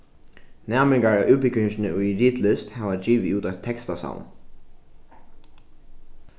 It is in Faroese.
næmingar á útbúgvingini í ritlist hava givið út eitt tekstasavn